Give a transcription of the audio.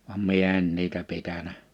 vaan minä en niitä pitänyt